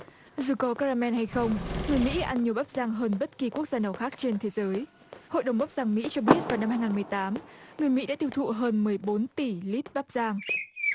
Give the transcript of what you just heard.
dù có ca ra meo hay không người mỹ ăn nhiều bắp rang hơn bất kỳ quốc gia nào khác trên thế giới hội đồng quốc gia mỹ cho biết vào năm hai ngàn mười tám người mỹ đã tiêu thụ hơn mười bốn tỷ lít bắp rang